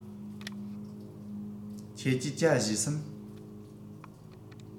ཁྱེད ཀྱིས ཇ བཞེས སམ